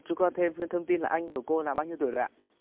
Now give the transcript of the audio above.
chúng con thêm thông tin là anh của cô là bao nhiêu tuổi rồi ạ